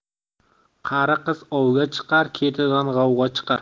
qari qiz ovga chiqar ketidan g'avg'o chiqar